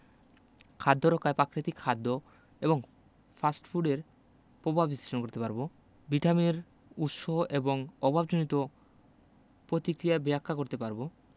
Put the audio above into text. খাদ্য রক্ষায় প্রাকৃতিক খাদ্য এবং ফাস্ট ফুডের প্রভাব বিশ্লেষণ করতে পারব ভিটামিনের উৎস এবং এর অভাবজনিত প্রতিক্রিয়া ব্যাখ্যা করতে পারব